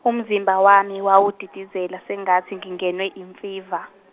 umzimba wami wawudidizela sengathi ngingenwe imfiva.